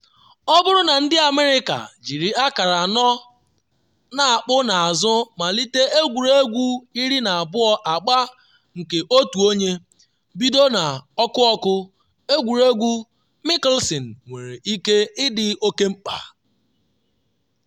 Ọ bụrụ na ndị America, jiri akara anọ n’akpụ n’azụ malite egwuregwu 12 agba nke otu onye, bido n’ọkụ ọkụ, egwuregwu Mickelson nwere ike ịdị oke mkpa.